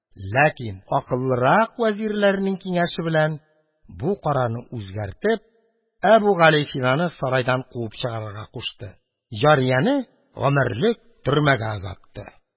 Ләкин акыллырак вәзирләрнең киңәше белән бу карарны үзгәртеп, Әбүгалисинаны сарайдан куып чыгарырга кушты, җарияне гомерлек төрмәгә озатты.